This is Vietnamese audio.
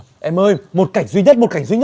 em ơi một cảnh duy nhất một cảnh duy